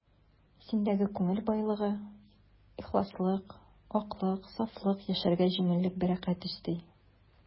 Синдәге күңел байлыгы, ихласлык, аклык, сафлык яшәргә җиңеллек, бәрәкәт өсти.